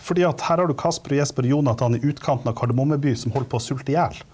fordi at her har du Kasper og Jesper og Jonatan i utkanten av Kardemomme by som holder på å sulte i hjel.